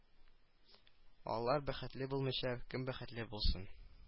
Алар бәхетле булмыйча кем бәхетле булсын